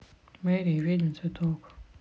мэри и ведьмин цветок